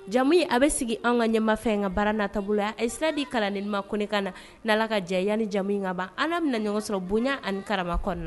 Jamu a bɛ sigi an ka ɲɛma fɛ ka baara na taabolo boloya a sirali kalan nima kokan na ka diyayaani jamu in ka ban ala bɛna ɲɔgɔn sɔrɔ bonya ani karama kɔnɔna